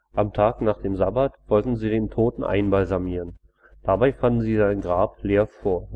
Am Tag nach dem Sabbat wollten sie den Toten einbalsamieren. Dabei fanden sie sein Grab leer vor